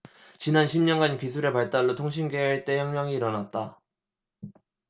지난 십 년간 기술의 발달로 통신계에 일대 혁명이 일어났다